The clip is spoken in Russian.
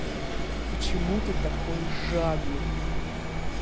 почему ты такой жадный